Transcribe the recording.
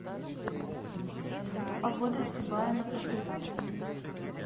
погода в сибая на послезавтра